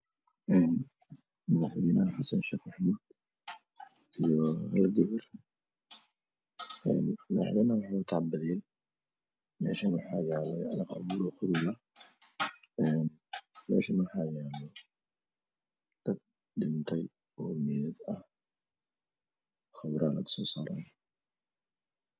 Madaxweynaha xasan sheikh maxamuud iyo gabar. Madaxweynuhu waxuu wataa budeel qabuuru ayuu qodaayaa meeshana waxaa yaalo dad meydad ah.